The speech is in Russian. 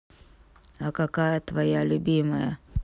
а какая твоя любимая